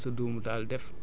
nga def ci beneen couche